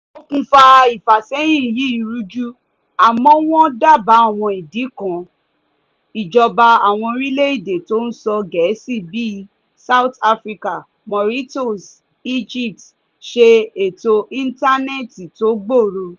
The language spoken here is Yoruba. Òkùnfà ìfàsẹ́yìn yìí rújú àmọ́ wọ́n dábàá àwọn ìdí kan: 1)Ìjọba àwọn orílẹ̀ èdè tó ń sọ Gẹ́ẹ̀sì bii (South Africa, Mauritius, Egypt) ṣe ètò ìǹtánẹ́ẹ̀tì tó gbóòrò.